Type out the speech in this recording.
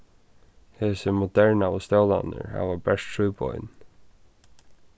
hesir modernaðu stólarnir hava bert trý bein